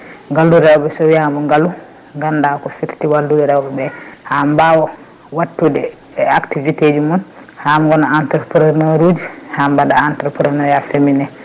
ngaalu rewɓe so wiyama ngaalu rewɓe ganda ko firti ngaalu rewɓe ɓe ha mbawa wattude e activité mum ha goona entrepreneur uji ha mbaɗa entreprenariat féminin